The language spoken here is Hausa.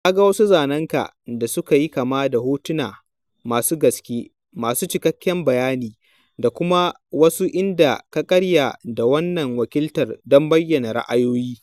Na ga wasu zanen ka da suka yi kama da hotuna, masu gaske, masu cikakken bayani … da kuma wasu inda ka karya da wannan wakiltar don bayyana ra'ayoyi.